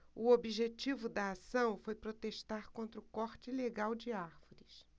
o objetivo da ação foi protestar contra o corte ilegal de árvores